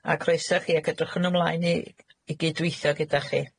A croeso i chi ac edrychwn ymlaen i i gydweithio gyda chi.